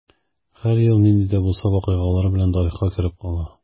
Һәр ел нинди дә булса вакыйгалары белән тарихка кереп кала.